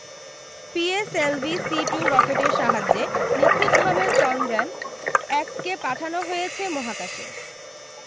PSLV C two রকেটের সাহায্যে নিখুঁতভাবে চন্দ্র্যান এক কে পাঠানো হয়েছে মহাকাশে